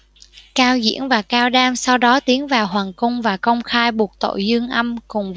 cao diễn và cao đam sau đó tiến vào hoàng cung và công khai buộc tội dương âm cùng